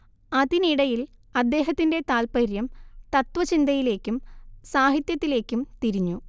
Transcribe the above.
അതിനിടയിൽ അദ്ദേഹത്തിന്റെ താൽപര്യം തത്ത്വചിന്തയിലേക്കും സാഹിത്യത്തിലേക്കും തിരിഞ്ഞു